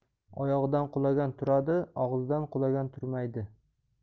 oyog'idan qulagan turadi og'zidan qulagan turmaydi